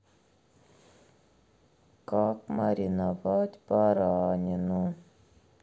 как мариновать баранину